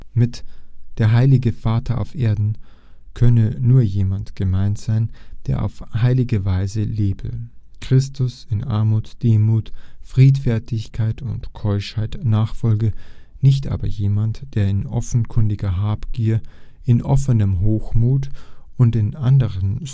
Mit „ der heiligste Vater auf Erden “könne nur jemand gemeint sein, der auf heilige Weise lebe, Christus in Armut, Demut, Friedfertigkeit und Keuschheit nachfolge, nicht aber jemand, der in offenkundiger Habgier, in offenem Hochmut und in anderen